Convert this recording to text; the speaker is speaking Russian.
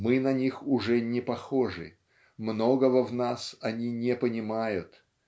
Мы на них уже не похожи; многого в нас они не понимают.